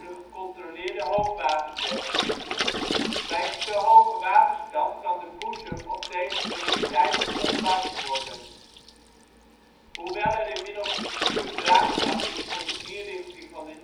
gecontroleerde hoogwaterberging. Bij een te hoge waterstand kan de boezem op deze manier tijdelijk ontlast worden. Hoewel er inmiddels bestuurlijk draagvlak is voor de inrichting van de